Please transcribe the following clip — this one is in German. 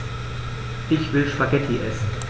Ich will Spaghetti essen.